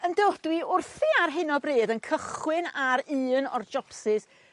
Yndw dwi wrthi ar hyn o bryd yn cychwyn ar un o'r jopsys